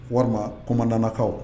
Warima commandant na kaw